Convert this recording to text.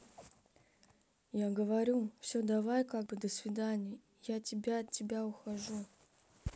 я говорю все давай как бы до свидания я тебя от тебя ухожу